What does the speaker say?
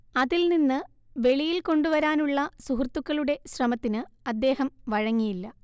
അതിൽ നിന്ന് വെളിയിൽ കൊണ്ടുവരാനുള്ള സുഹൃത്തുക്കളുടെ ശ്രമത്തിന് അദ്ദേഹം വഴങ്ങിയില്ല